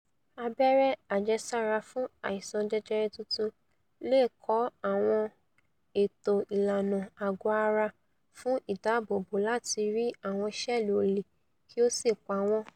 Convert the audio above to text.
Abẹ́rẹ́ àjẹsára fún àìsàn jẹjẹrẹ tuntun leè kọ́ àwọn ètò ìlànà àgọ́-ara tówà fún ìdáààbòbò láti 'ri' àwọn ṣẹ̵́ẹ̀lì olè kí ó sì pa wọn